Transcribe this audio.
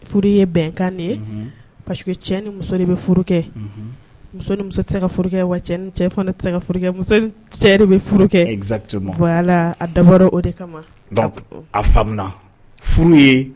Furu ye bɛnkan de ye pa cɛ ni muso de bɛ furu kɛ muso muso tɛ ka wa tɛ sɛri bɛ furu kɛto yala a dabɔdɔ o de kama a furu ye